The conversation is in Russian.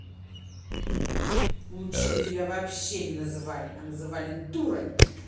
лучше бы тебя вообще не называли а называли дурой